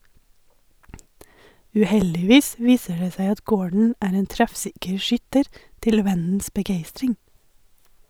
Uheldigvis viser det seg at Gordon er en treffsikker skytter, til vennens begeistring.